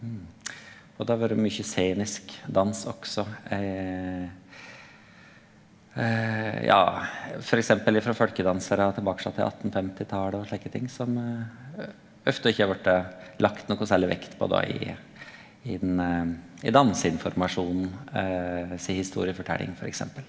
og det har vore mykje scenisk dans også ja f.eks. ifrå folkedansarar tilbake til attenfemtitalet og slike ting som ofte ikkje har vore lagt nokon særleg vekt på da i i den i danseinformasjonen si historieforteljing, for eksempel.